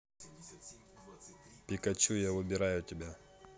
пикачу я выбираю тебя